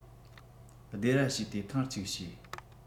སྡེ ར བྱས ཏེ ཐེངས གཅིག བྱས